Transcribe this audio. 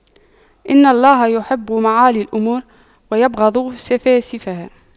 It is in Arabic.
إن الله يحب معالي الأمور ويبغض سفاسفها